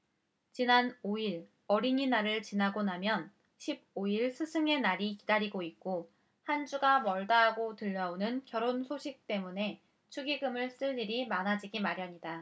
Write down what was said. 지난 오 일 어린이날을 지나고 나면 십 오 일 스승의날이 기다리고 있고 한 주가 멀다하고 들려오는 결혼 소식때문에 축의금을 쓸 일이 많아지기 마련이다